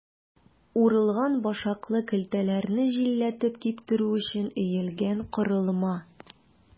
Урылган башаклы көлтәләрне җилләтеп киптерү өчен өелгән корылма.